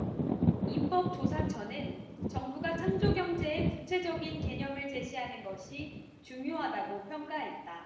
입법조사처는 정부가 창조경제의 구체적인 개념을 제시하는 것이 중요하다고 평가했다